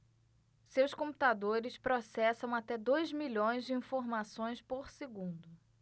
seus computadores processam até dois milhões de informações por segundo